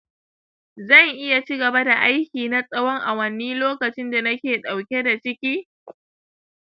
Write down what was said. zan iya cigaba da aiki na tsawon awanni lokacinda nake dauke da ciki